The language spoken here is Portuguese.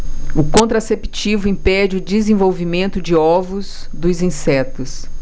o contraceptivo impede o desenvolvimento de ovos dos insetos